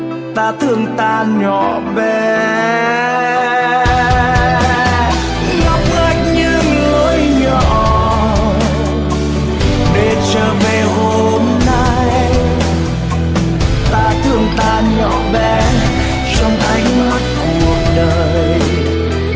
ta thương ta nhỏ bé ngóc ngách những lối nhỏ để trở về hôm nay ta thương ta nhỏ bé trong ánh mắt cuộc đời